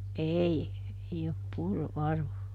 ei ei ole purrut arvon